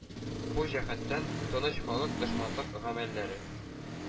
Бу җәһәттән “Тыныч халык дошманлык гамәлләре